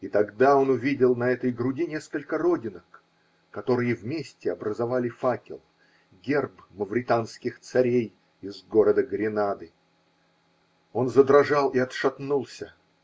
И тогда он увидел на этой груди несколько родинок, которые вместе образовали факел, герб мавританских царей из города Гренады. Он задрожал и отшатнулся.